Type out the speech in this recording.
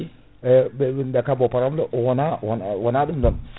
ɓe winde bo pa o wona wona ɗum ɗon